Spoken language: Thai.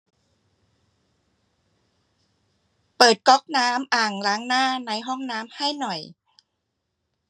เปิดก๊อกน้ำอ่างล้างหน้าในห้องน้ำให้หน่อย